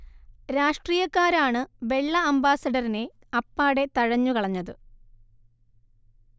രാഷ്ട്രീയക്കാരാണ് വെള്ള അംബാസഡറിനെ അപ്പാടെ തഴഞ്ഞു കളഞ്ഞത്